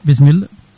bisimilla